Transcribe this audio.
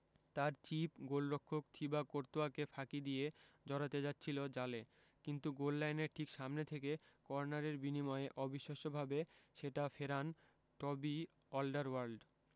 তাঁর চিপ গোলরক্ষক থিবো কর্তোয়াকে ফাঁকি দিয়ে জড়াতে যাচ্ছিল জালে কিন্তু গোললাইনের ঠিক সামনে থেকে কর্নারের বিনিময়ে অবিশ্বাস্যভাবে সেটা ফেরান টবি অলডারওয়ার্ল্ড